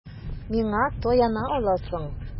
Миңа таяна аласың.